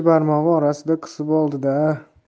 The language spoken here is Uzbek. orasida qisib ushladi da